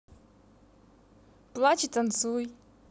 плачь и танцуй